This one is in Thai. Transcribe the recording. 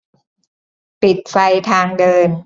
ปิดไฟทางเดิน